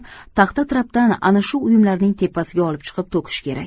taxta trapdan ana shu uyumlarning tepasiga olib chiqib to'kish kerak